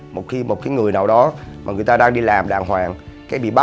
một khi một cái người nào đó mà người ta đang đi làm đàng hoàng cái bị bắt